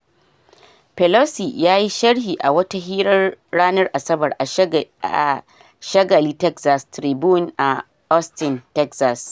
Pelosi ya yi sharhi a wata hirar ranar Asabar a shagali Texas Tribune a Austin, Texas.